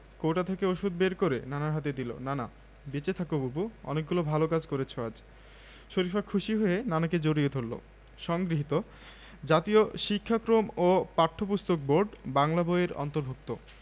কৌটা থেকে ঔষধ বের করে নানার হাতে দিল নানা বেঁচে থাকো বুবু অনেকগুলো ভালো কাজ করেছ আজ শরিফা খুশি হয়ে নানাকে জড়িয়ে ধরল সংগৃহীত জাতীয় শিক্ষাক্রম ও পাঠ্যপুস্তক বোর্ড বাংলা বই এর অন্তর্ভুক্ত